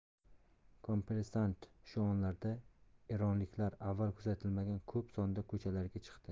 kommersant shu onlarda eronliklar avval kuzatilmagan ko'p sonda ko'chalarga chiqdi